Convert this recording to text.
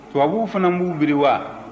tubabuw fana b'u biri wa